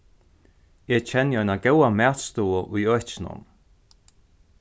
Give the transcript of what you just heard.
eg kenni eina góða matstovu í økinum